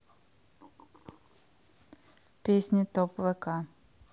песни топ вк